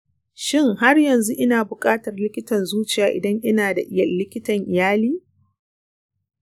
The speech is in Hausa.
shin, har yanzu ina buƙatar likitan zuciya idan ina da likitan iyali?